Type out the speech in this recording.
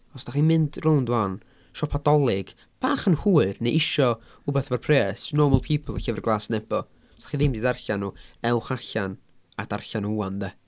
Os dach chi'n mynd rownd 'wan siopa Dolig bach yn hwyr, neu isio wbath efo'r pres, Normal People a Llyfr Glas Nebo. Os dach chi ddim 'di darllen nhw, ewch allan a darllen nhw 'wan de.